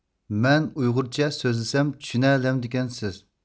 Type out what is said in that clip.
مەن ئۇيغۇرچە سۆزلىسەم چۈشىنەلەمدىكەنسىز